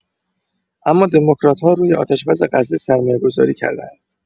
اما دموکرات‌ها روی آتش‌بس غزه سرمایه‌گذاری کرده‌اند.